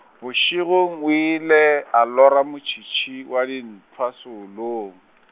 bošegong o ile a lora motšhitšhi wa dintlhwa seolong .